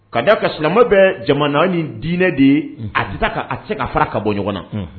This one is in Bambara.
Ka da a ka silamɛ bɛ jamana ni diinɛ de ye a a se ka fara ka bɔ ɲɔgɔn na